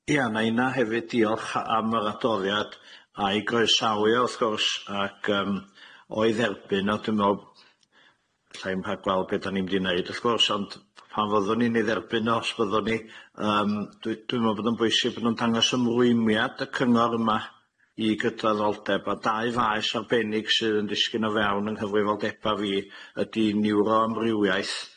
Ia na ina hefyd diolch a- am yr adroddiad a'i groesawu o wrth gwrs ac yym o'i dderbyn o dwi me'l- allai'm rha' gweld be' dan ni'm di neud wrth gwrs ond pan fyddwn ni'n ei dderbyn o os fyddwn ni yym dwi- dwi me'wl bod o'n bwysig bo' nw'n dangos ymrwymiad y cyngor yma i gydraddoldeb a dau faes arbennig sydd yn disgyn o fewn yng nghyfrifoldeba fi ydi niwroamrywiaeth.